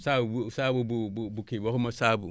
saabu saabu bu bu bu kii waxu ma saabu